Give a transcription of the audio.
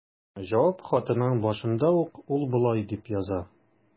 Җавап хатының башында ук ул болай дип яза.